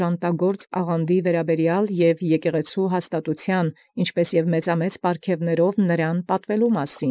Ժանտագործ ազգին բարբարիանոսաց, և եկեղեցեաց հաստատութեան, և մեծամեծ պարգևաւք պատուելոյ։